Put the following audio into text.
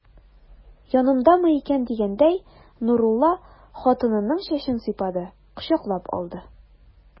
Янымдамы икән дигәндәй, Нурулла хатынының чәчен сыйпады, кочаклап алды.